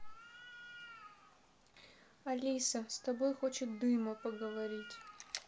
алиса с тобой хочет дыма поговорить